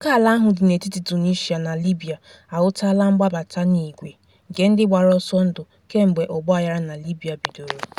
Ókèala ahụ dị n'etiti Tunisia na Libya ahụtala mgbabata n'ìgwè nke ndị gbara ọsọndụ kemgbe ọgba aghara na Libya bidoro.